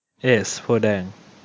เอซโพธิ์แดง